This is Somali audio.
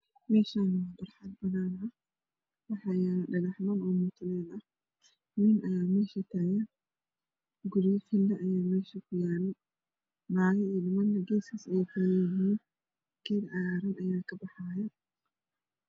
Meshaani waa bar xad banaan ah waxaa yala dhagxaan mutuneel ah nin ayaa mesha tagan guryo fila ayaa mesha ku yaala nago iyo niman ayaa gees ayeey tagan yihiin geed cagaaran ayaa ka baxaaya